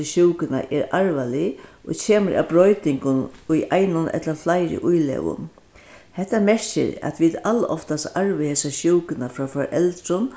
til sjúkuna er arvalig og kemur av broytingum í einum ella fleiri ílegum hetta merkir at vit aloftast arva hesa sjúkuna frá foreldrum